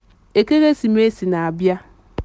Ekeresimesi na-abịa.